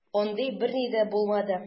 Андый берни дә булмады.